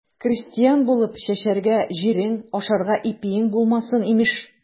Крестьян булып, чәчәргә җирең, ашарга ипиең булмасын, имеш.